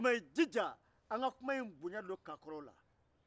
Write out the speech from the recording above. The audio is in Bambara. i jija an ka kuma in bonya don kakɔlɔw la